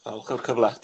Falch ca'l y cyfla.